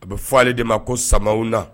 A bɛ fɔ ale de ma ko sama na